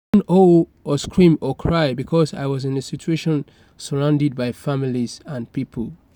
I couldn't howl or scream or cry because I was in a situation surrounded by families and people.